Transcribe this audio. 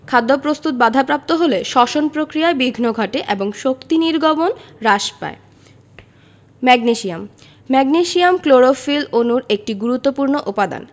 খাদ্যপ্রস্তুত বাধাপ্রাপ্ত হলে শ্বসন প্রক্রিয়ায় বিঘ্ন ঘটে এবং শক্তি নির্গমন হ্রাস পায় ম্যাগনেসিয়াম ম্যাগনেসিয়াম ক্লোরোফিল অণুর একটি গুরুত্বপুর্ণ উপাদান